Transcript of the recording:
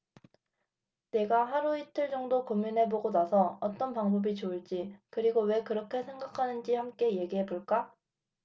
네가 하루 이틀 정도 고민해 보고 나서 어떤 방법이 좋을지 그리고 왜 그렇게 생각하는지 함께 얘기해 볼까